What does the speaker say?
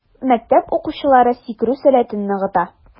Мәктәп укучылары сикерү сәләтен ныгыта.